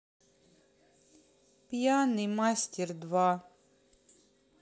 пьяный мастер два